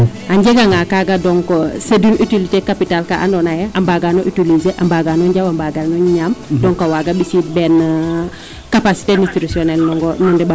A jeganga kaaga donc c' est une utilité capitale kaa andoona yee a mbaagaan o utiliser a mbaagaan o njaw a mbaagaan o ñaam to waaga ɓisiid been capacité nutritionnel no ndeɓandoong.